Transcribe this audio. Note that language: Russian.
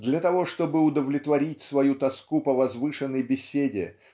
Для того чтобы удовлетворить свою тоску по возвышенной беседе